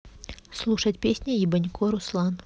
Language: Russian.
слушать песни ебанько руслан